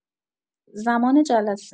زمان جلسه